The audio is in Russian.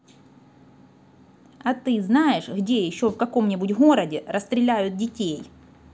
а ты знаешь где еще в каком нибудь городе расстреляют детей